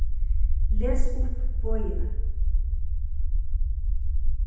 les upp boðini